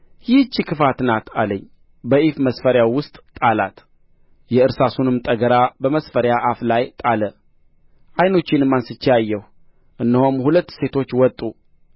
ይህች ክፋት ናት አለኝ በኢፍ መስፈሪያው ውስጥ ጣላት የእርሳሱንም ጠገራ በመስፈሪያ አፍ ላይ ጣለ ዓይኖቼንም አንሥቼ አየሁ እነሆም ሁለት ሴቶች ወጡ